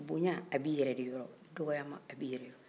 bonya a bɛ i yɛrɛ de yɔrɔ dɔgɔyama a bɛ i yɛrɛ de yɔrɔ